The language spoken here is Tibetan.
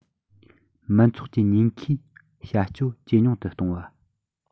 མི ཚོགས ཀྱི ཉེན ཁའི བྱ སྤྱོད ཇེ ཉུང དུ གཏོང བ